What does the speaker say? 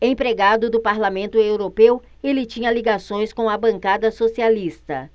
empregado do parlamento europeu ele tinha ligações com a bancada socialista